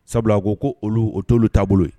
Sabula a ko ko olu o t'olu taabolo ye.